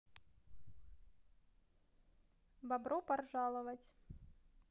бобро поржаловать